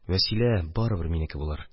Вәсилә барыбер минеке булыр.